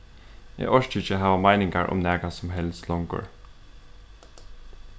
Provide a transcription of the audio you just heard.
eg orki ikki at hava meiningar um nakað sum helst longur